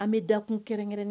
An bɛ dakun kɛrɛnkɛrɛnnen